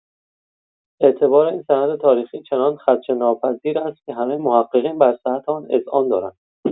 اعتبار این سند تاریخی چنان خدشه‌ناپذیر است که همه محققین بر صحت آن اذعان دارند.